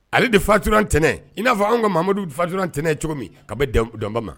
Ale de faaturatɛnɛn in n'a fɔ an kamadu faattura tɛnɛnɛnɛ cogo min ka bɛ danba ma